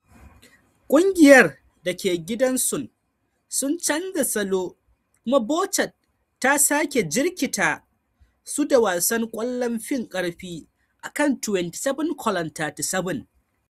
Ƙungiyar da ke gidasun sun canza salo kuma Buchard ta sake jirkita su da wasan kwallon fin karfi akan 27:37.